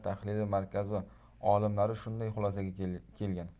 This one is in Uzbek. tahlili markazi olimlari shunday xulosaga kelgan